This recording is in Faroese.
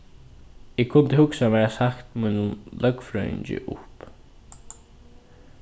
eg kundi hugsað mær at sagt mínum løgfrøðingi upp